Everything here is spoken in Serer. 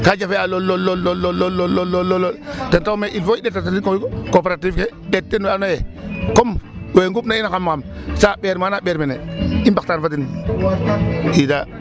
Kaa jafeñaa lool, lool, lool ,lool ten taxu um lay ee il faut i ndetata nit cooperative ke ndete ten we andna yee comme we nqupna in xam xam sa ɓeer maana ɓeer mene i mbaxtaan fa den i daal .